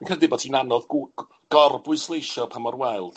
Dwi'n credu bod hi'n anodd gw- gorbwysleisio pa mor wael